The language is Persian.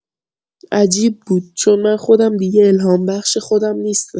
عجیب بود، چون من خودم دیگه الهام‌بخش خودم نیستم.